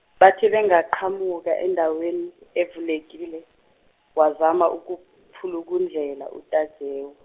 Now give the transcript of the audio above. bathe bengaqhamuka endaweni evulekile wazama ukuphulukundlela uTajewo.